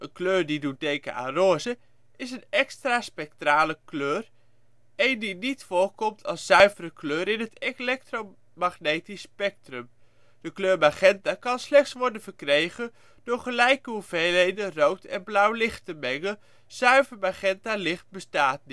kleur die doet denken aan roze) is een extraspectrale kleur: één die niet voorkomt als zuivere kleur in het elektromagnetisch spectrum. De kleur magenta kan slechts worden verkregen door gelijke hoeveelheden van rood en blauw licht te mengen: zuiver magenta licht bestaat